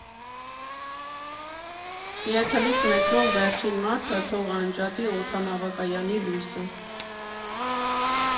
Սիեթլից մեկնող վերջին մարդը թող անջատի օդանավակայանի լույսը։